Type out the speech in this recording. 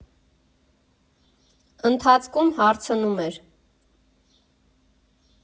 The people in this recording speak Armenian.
Ընթացքում հարցնում էր.